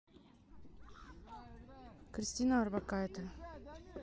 кристина орбакайте